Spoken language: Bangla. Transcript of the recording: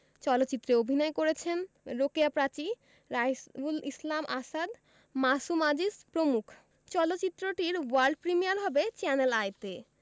চলচ্চিত্রে অভিনয় করেছেন রোকেয়া প্রাচী রাইসুল ইসলাম আসাদ মাসুম আজিজ প্রমুখ চলচ্চিত্রটির ওয়ার্ল্ড প্রিমিয়ার হবে চ্যানেল আইতে